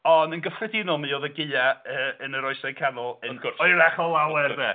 Ond yn gyffredinol mi oedd y gaeaf yn yr Oesau Canol yn... Wrth gwrs... Oerach o lawer 'de.